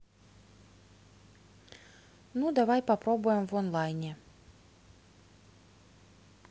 ну давай попробуем в онлайне